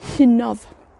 hunodd.